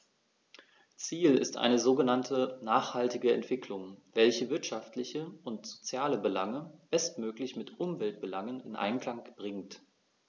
Ziel ist eine sogenannte nachhaltige Entwicklung, welche wirtschaftliche und soziale Belange bestmöglich mit Umweltbelangen in Einklang bringt.